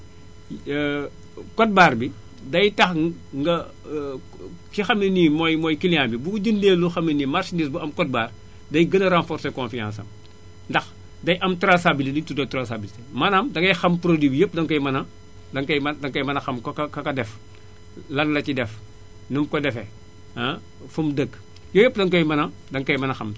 code barre bi day tax nga ki xam ne nii mooy mooy client bi bu jëndee loo xam ne nii marchandise bu am code barre day gën a renforcé confiance am ndax day am traçabilité li ñuy tuddee traçabilité maanaam dangay xam produit bi yépp danga koy mën a danga koy mën a danga koy mën a xam ka ka def lan la ci def nu mu ko defee ah fu mu dëkk yooyu yépp danga koy mën a danga koy mën a xam